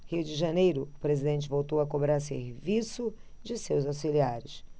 rio de janeiro o presidente voltou a cobrar serviço de seus auxiliares